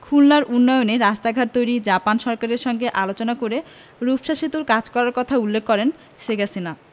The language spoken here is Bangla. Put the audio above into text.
খুলনার উন্নয়নে রাস্তাঘাট তৈরি জাপান সরকারের সঙ্গে আলোচনা করে রূপসা সেতুর কাজ করার কথা উল্লেখ করেন সেগাসিনা